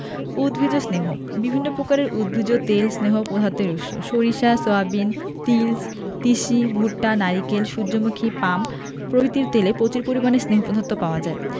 উদ্ভিজ্জ স্নেহ বিভিন্ন পকারের উদ্ভিজ তেল স্নেহ পদার্থের উৎস সরিষা সয়াবিন তিল তিসি ভুট্টা নারকেল সুর্যমুখী পাম প্রভিতির তেলে প্রচুর পরিমাণে স্নেহ পদার্থ পাওয়া যায়